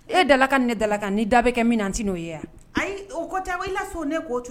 E dala ka ne dala kan'i da bɛ kɛ minɛn tɛ n'o ye yan ayi o kota la so ne kotu